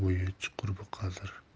bo'yi chuqur qazir